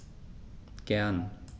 Gern.